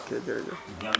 ok jërëjëf